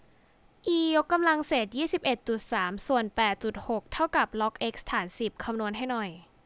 อียกกำลังเศษยี่สิบเอ็ดจุดสามส่วนแปดจุดหกเท่ากับล็อกเอ็กซ์ฐานสิบคำนวณให้หน่อย